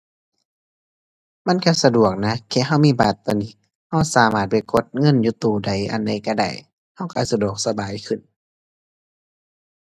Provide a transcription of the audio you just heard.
มันก็สะดวกนะ แค่ก็มีบัตรตอนนี้ ก็สามารถไปกดเงินอยู่ตู้ใดอันใดก็ได้ ก็ก็สะดวกสบายขึ้น